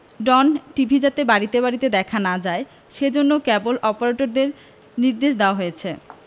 ডন TV যাতে বাড়িতে বাড়িতে দেখা না যায় সেজন্যে কেবল অপারেটরদের নির্দেশ দেওয়া হয়েছে